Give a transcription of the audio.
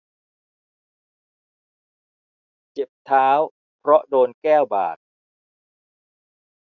เจ็บเท้าเพราะโดนแก้วบาด